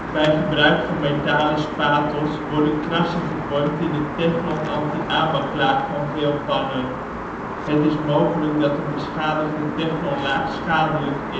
Bij gebruik van metalen spatels worden krassen gevormd in de teflon anti-aanbaklaag van veel pannen. Het is mogelijk dat een beschadigde teflon-laag schadelijk